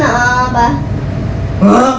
rồi giờ mổ nha bà